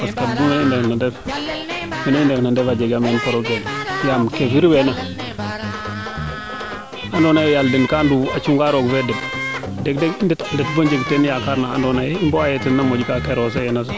parce que mu ndef na ndef mene i ndef na ndef a jega meen probleme yaam ando naye yaal mbin kaa nduuf a cunga roog fe deɓ deg deg i ndet teen bo jeg teen yakaar ando naye i mboog aye ten na moƴ kaa ke roose iina sax